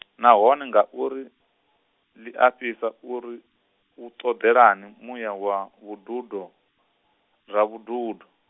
nahone ngauri, ḽi a fhisa uri, u ṱoḓelani muya wa vhududo, Ravhududo?